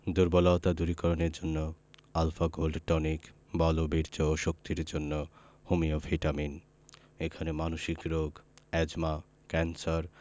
দুর্বলতা দূরীকরণের জন্য আল্ ফা গোল্ড টনিক বল বীর্য ও শক্তির জন্য হোমিও ভিটামিন এখানে মানসিক রোগ এ্যজমা ক্যান্সার